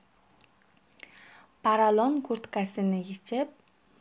paralon kurtkasini yechib